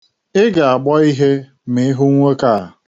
I ga-agbọ ihe ma ịhụ nwoke a.